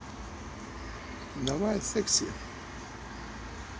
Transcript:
давай секси